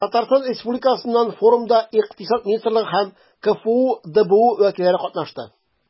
Татарстан Республикасыннан форумда Икътисад министрлыгы һәм КФҮ ДБУ вәкилләре катнашты.